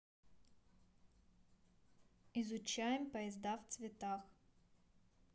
изучаем поезда в цветах